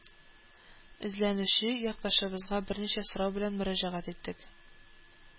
Әзерләнүче якташыбызга берничә сорау белән мөрәҗәгать иттек